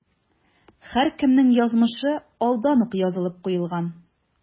Һәркемнең язмышы алдан ук язылып куелган.